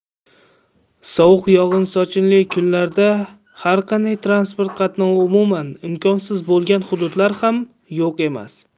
sovuq yog'in sochinli kunlarda har qanday transport qatnovi umuman imkonsiz bo'lgan hududlar ham yo'q emas